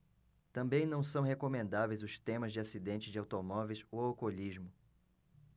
também não são recomendáveis os temas de acidentes de automóveis ou alcoolismo